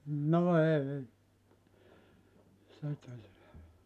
no ei se tullut